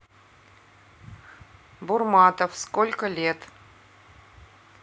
бурматов сколько лет